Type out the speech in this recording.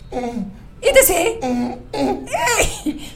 I tɛ se